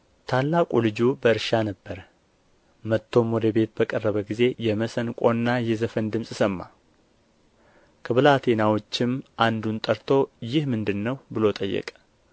ታላቁ ልጁ በእርሻ ነበረ መጥቶም ወደ ቤት በቀረበ ጊዜ የመሰንቆና የዘፈን ድምፅ ሰማ ከብላቴናዎችም አንዱን ጠርቶ ይህ ምንድር ነው ብሎ ጠየቀ